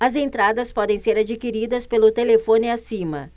as entradas podem ser adquiridas pelo telefone acima